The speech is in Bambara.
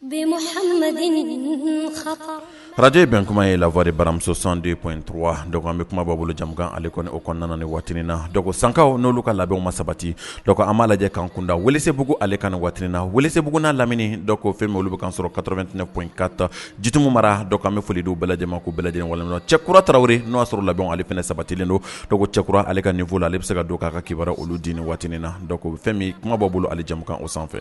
Bajɛ bɛn kuma ye lawale baramusosɔn detu dɔw bɛ kuma' bolojamukan alek o kɔnɔna ni waatiina san n'olu ka labɛn ma sabati dɔw a b' lajɛ kan kunda wse bbuguale kan nin waatiina wsebuguugu'a lamini dɔw ko fɛn olu bɛ kansɔrɔ katametɛnɛ inkan ta jiumu mara dɔw kan bɛ foli don bɛɛjama k'u bɛɛden wali na cɛ kuratarawri n'o'a sɔrɔ laale fana sabatilen don dɔw cɛkura ale ka kan nin fɔ la ale bɛ se ka don k'a ka kibara olu di ni waatiina dɔw fɛn min kuma b'a bolo alejamukan o sanfɛ